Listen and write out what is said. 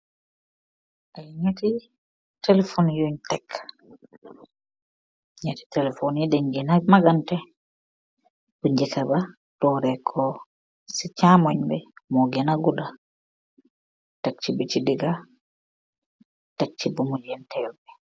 Ay ñatti Telefon yuñg teklaante. Ñatti Telefon yi dañg gëna magante. Bu ñaka bi dooreko si caamoy bi moo gëna guda, Tek ci busi diga, tek ci bu mujeentel bi.